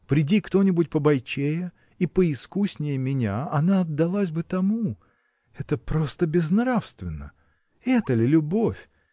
приди кто-нибудь побойчее и поискуснее меня, она отдалась бы тому. это просто безнравственно! Это ли любовь!